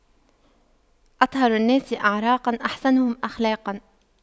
أطهر الناس أعراقاً أحسنهم أخلاقاً